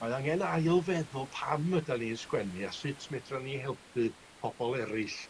Mae angen ail feddwl pam ydan ni'n sgwennu a sut medran ni helpu pobol eryll